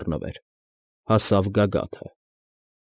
Բռներ, հասավ գագաթը։